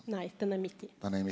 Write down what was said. nei den er midt i.